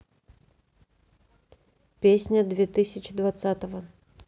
песня две тысячи двадцатого